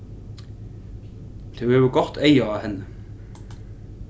tú hevur gott eyga á henni